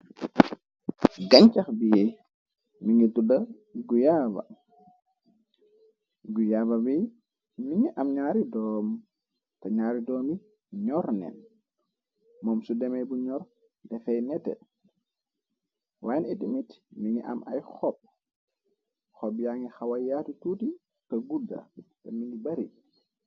Gañchax bii mi ngi tudda guyaaba wi mi ngi am ñaari doom te ñaari doomi ñoorneen moom su deme bu ñor defay nete waayen ii mit mi ngi am ay xob xob yaa ngi xaway yaatu tuuti ka gudda te mi ngi bari.